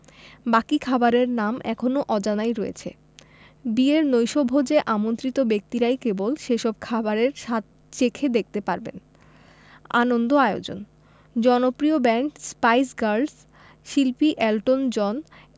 বাকি খাবারের নাম এখনো অজানাই রয়েছে বিয়ের নৈশভোজে আমন্ত্রিত ব্যক্তিরাই কেবল সেসব খাবারের স্বাদ চেখে দেখতে পারবেন আনন্দ আয়োজন জনপ্রিয় ব্যান্ড স্পাইস গার্লস শিল্পী এলটন জন